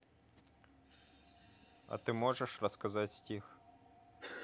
а ты можешь рассказать стих